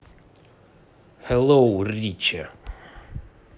hello richy